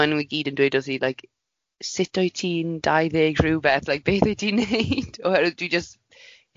a ma nhw i gyd yn dweud o si sut wyt ti'n dau ddeg rhywbeth, like beth wyt ti'n neud, oherwydd